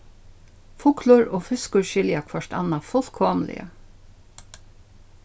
fuglur og fiskur skilja hvørt annað fullkomiliga